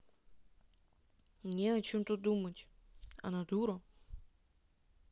не о чем тут думать она дура